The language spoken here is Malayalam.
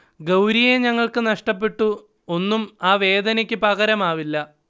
ഗൌരിയെ ഞങ്ങൾക്ക് നഷ്ടപ്പെട്ടു, ഒന്നും ആ വേദനക്ക് പകരമാവില്ല